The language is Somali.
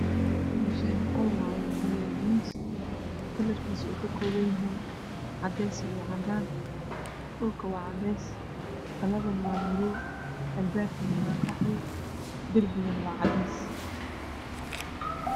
Meeshaan waa qol waye waxa yaala miis cadays cadaan dhulka waa cadaan Dhalada waa madow Al baabkuna waa qaxwi darbigu waa cadays